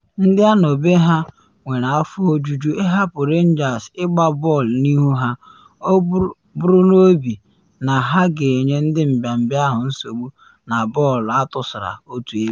Ndị anọ be ha nwere afọ ojuju ịhapụ Rangers ịgba bọọlụ n’ihu ha, buru n’obi na ha ga-enye ndị mbịambịa ahụ nsogbu na bọọlụ atụsara otu ebe.